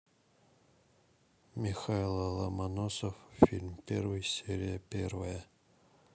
михайло ломоносов фильм первый серия первая